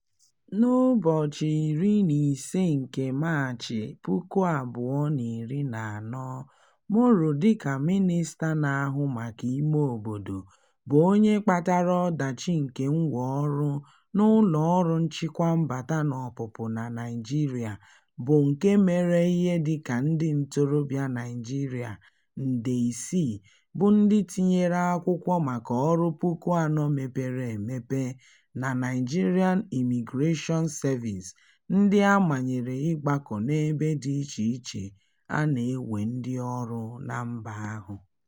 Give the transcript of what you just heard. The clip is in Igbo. N'ụbọchị 15 nke Maachị, 2014, Moro dịka mịnịsta na-ahụ maka ime obodo, bụ onye kpatara ọdachi nke Mwenọrụ n'Ụlọọrụ Nchịkwa Mbata na Ọpụpụ na Naịjirịa bụ nke mere ihe dị ka ndị ntorobịa Naịjirịa nde 6 bụ ndị tinyere akwụkwọ maka ọrụ 4,000 mepere emepe na Nigerian Immigration Service ndị a manyere ịgbakọ n'ebe dị iche iche a na-ewe ndị ọrụ na mba ahụ.